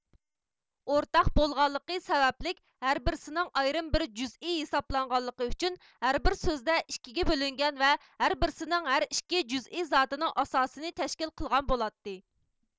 ئورتاق بولغانلىقى سەۋەبلىك ھەر بىرسىنىڭ ئايرىم بىر جۈزئىي ھېسابلانغانلىقى ئۈچۈن ھەر بىر سۆزدە ئىككىگە بۆلۈنگەن ۋە ھەر بىرسىنىڭ ھەر ئىككى جۇزئى زاتىنىڭ ئاساسىنى تەشكىل قىلغان بولاتتى